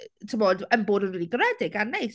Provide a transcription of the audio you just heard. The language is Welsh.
Timod, yn bod yn rili garedig a neis...